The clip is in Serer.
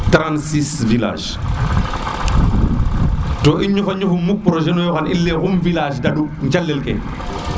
36 villages te i ñofa ñofu muk projet xa i leya o xum village daɗu no calel ke